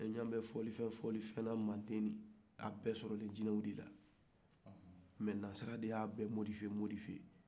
i ɲaabɛ fɔlifɛ o fɔlifɛ na a bɛ bɔra jinɛw de la mais nansaraw de y'a bɛ modifie modifie